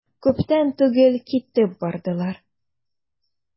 Күптән түгел китеп бардылар.